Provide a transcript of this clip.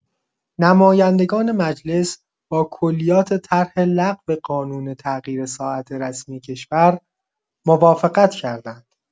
نمایندگان مجلس با کلیات طرح لغو قانون تغییر ساعت رسمی کشور موافقت کردند.